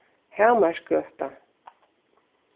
hamarsgøta